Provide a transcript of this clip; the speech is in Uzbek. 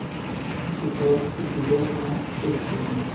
ichi tor itiga ham et bermas